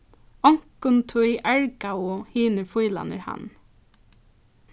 onkuntíð argaðu hinir fílarnir hann